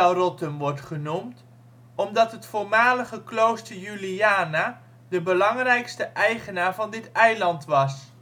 Rottum wordt genoemd), omdat het voormalige klooster Juliana de belangrijkste eigenaar van dit eiland was